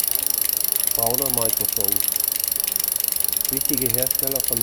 Brauner Microphones. Wichtige Hersteller